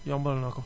yombal na ko